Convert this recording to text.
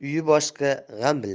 uyi boshqa g'am bilmas